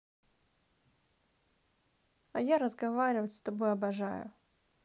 а я разговаривать с тобой обожаю